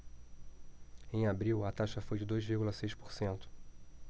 em abril a taxa foi de dois vírgula seis por cento